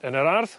yn yr ardd